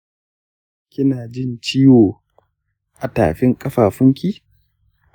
kina jin ciwo a tafin ƙafafunki?